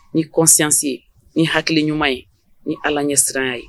Ni kɔsanse ni hakili ɲuman ye ni ala ɲɛ siranya ye